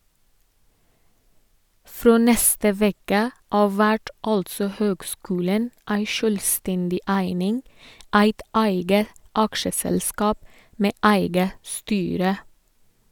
Frå neste veke av vert altså høgskulen ei sjølvstendig eining, eit eige aksjeselskap med eige styre.